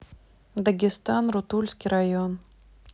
дагестан рутульский район